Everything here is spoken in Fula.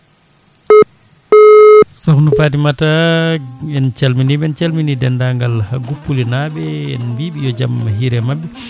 sokhna Fatimata en calminiɓe en calmini dendagal Guppuli naaɓe en mbiɓe yo jaam hiire mabɓe